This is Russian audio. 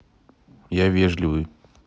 я вежливый